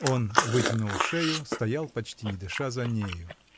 Он, вытянув шею, стоял, почти не дыша, за нею.